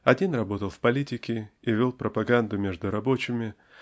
Один работал в политике--вел пропаганду между рабочими